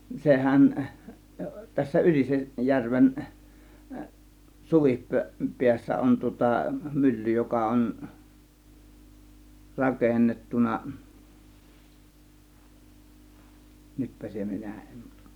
sehän tässä Ylisen järven suvipäässä on tuota mylly joka on rakennettu nytpä se minä en